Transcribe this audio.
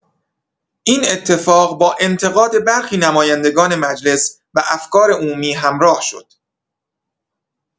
این اتفاق با انتقاد برخی نمایندگان مجلس و افکار عمومی همراه شد.